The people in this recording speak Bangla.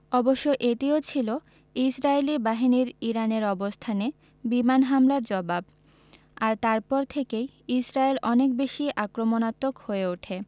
অবশ্য এটিও ছিল ইসরায়েলি বাহিনীর ইরানের অবস্থানে বিমান হামলার জবাব আর তারপর থেকেই ইসরায়েল অনেক বেশি আক্রমণাত্মক হয়ে ওঠে